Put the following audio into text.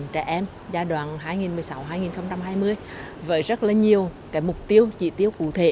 trẻ em giai đoạn hai nghìn mười sáu hai nghìn không trăm hai mươi với rất là nhiều cái mục tiêu chỉ tiêu cụ thể